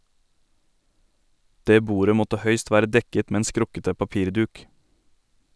Det bordet måtte høyst være dekket med en skrukkete papirduk.